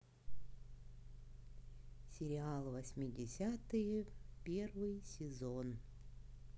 сериал восьмидесятые первый сезон